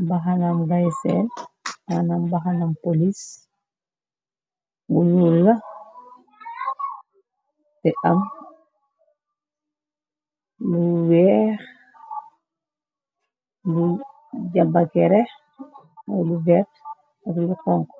Mbahana ngè senn, manam mbahana police bu ñuul la tè am lu weeh, lu jàbakerè ak lu vert ak lu honku